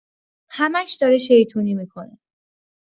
همش داره شیطونی می‌کنه.